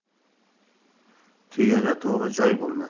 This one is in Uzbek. tuyada to'g'ri joy bo'lmas